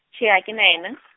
tjhe ha kena yena .